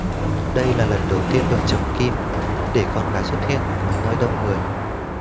đây là lần đầu tiên vợ chồng kim để con gái xuất hiện ở nơi đông người